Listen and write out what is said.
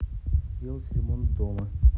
сделать ремонт дома